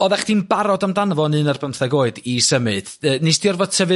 Odda chi'n barod amdano fo yn un a'r bymtheg oed i symud 'nes di orfod tyfu